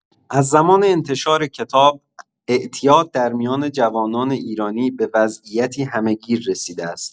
از زمان انتشار کتاب، اعتیاد در میان جوانان ایرانی به وضعیتی همه‌گیر رسیده است.